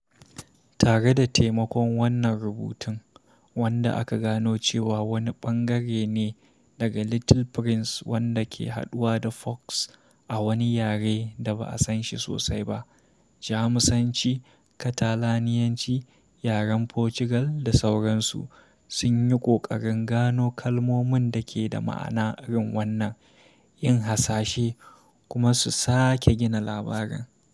Tare da taimakon wannan rubutun (wanda aka gano cewa wani ɓangare ne daga Little Prince wanda ke haɗuwa da fox) a wani yare da ba a sanshi sosai ba (Jamusanci, Catalaniyanci, yaren Portugal, da sauransu) sun yi ƙoƙarin gano kalmomin da ke da ma'ana irin wannan, yin hasashe, kuma su sake gina labarin.